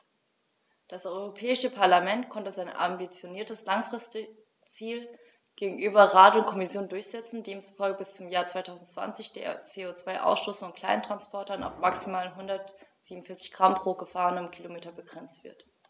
Das Europäische Parlament konnte sein ambitioniertes Langfristziel gegenüber Rat und Kommission durchsetzen, demzufolge bis zum Jahr 2020 der CO2-Ausstoß von Kleinsttransportern auf maximal 147 Gramm pro gefahrenem Kilometer begrenzt wird.